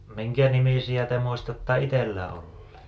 minkänimisiä te muistatte itsellä olleen